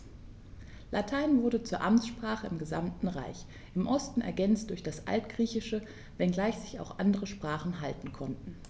Latein wurde zur Amtssprache im gesamten Reich (im Osten ergänzt durch das Altgriechische), wenngleich sich auch andere Sprachen halten konnten.